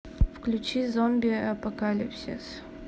включи зомби апокалипсис